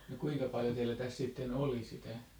no kuinka paljon teillä tässä sitten oli sitä